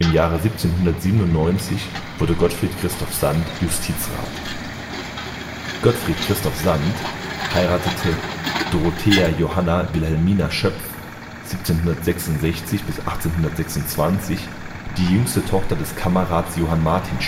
Jahre 1797 wurde Gottfried Christoph Sand Justizrat. Gottfried Christoph Sand heiratete Dorothea Johanna Wilhelmina Schöpf (1766 – 1826), die jüngste Tochter des Kammerrats Johann Martin